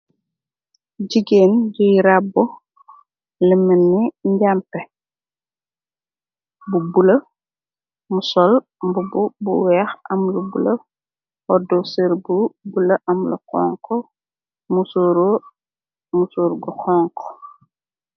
Jigéen juy rabbu limenni njàmpe bu bula mu sol bub bu weex am lu bula oddu ser bu bula am la xonku musuru musur gu xonku.